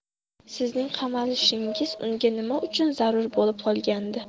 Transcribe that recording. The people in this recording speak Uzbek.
sizning qamalishingiz unga nima uchun zarur bo'lib qolgandi